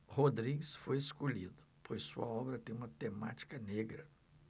rodrigues foi escolhido pois sua obra tem uma temática negra